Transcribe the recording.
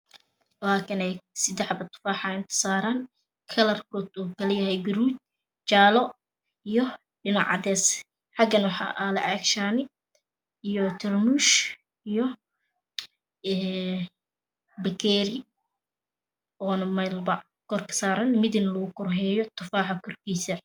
Wakan sidax xabotufax intasaaran kalarkodana gaduud jaadlo iyo dhinac cadees xagana waxaayala caagshaani iyotarmuus iyo bakeeri melwabasaran midinalagukorhayo tufaxkorkisa na